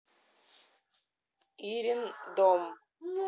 ирин дом